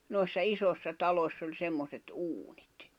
noissa isoissa taloissa oli semmoiset uunit